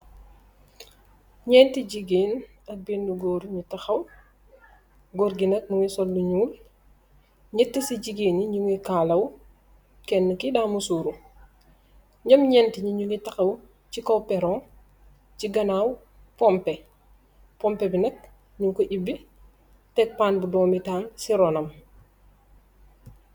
Neenti jigéen at bind góor ñu taxaw góor gi nag muguy sollu ñuul ñëtt ci jigéen ñi ñu nguge kaalaw kenn ki da musuru ñoom ñenti ñi ñu ni taxaw ci kaw peron ci ganaaw pompe pompe bi nakk ñu ko ibbi teg pànn bu doomi taal ci ronam.